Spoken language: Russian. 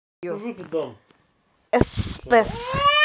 спс